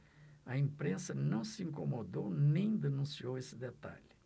a imprensa não se incomodou nem denunciou esse detalhe